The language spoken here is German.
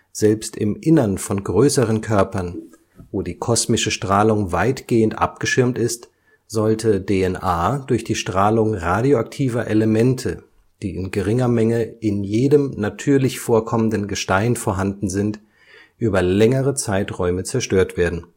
Selbst im Inneren von größeren Körpern, wo die kosmische Strahlung weitgehend abgeschirmt ist, sollte DNA durch die Strahlung radioaktiver Elemente, die in geringer Menge in jedem natürlich vorkommenden Gestein vorhanden sind, über längere Zeiträume zerstört werden